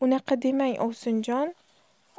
unaqa demang ovsinjon